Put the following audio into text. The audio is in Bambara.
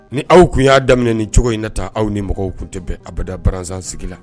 Ni aw tun y'a daminɛ ni cogo in na taa aw ni mɔgɔw tun tɛbɛn abadazsigi la